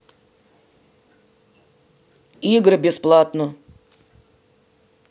игры бесплатно